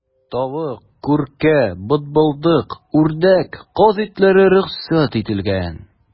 Тавык, күркә, бытбылдык, үрдәк, каз итләре рөхсәт ителгән.